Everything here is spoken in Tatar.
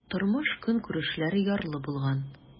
Тормыш-көнкүрешләре ярлы булган.